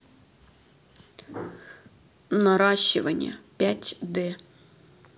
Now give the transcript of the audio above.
наращивание пять д